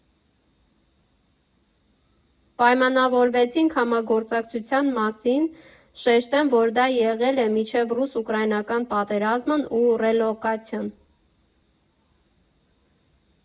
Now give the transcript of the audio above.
Պայմանավորվեցինք համագործակցության մասին, շեշտեմ, որ դա եղել է մինչև Ռուս֊ուկրաինական պատերազմն ու ռելոկացիան։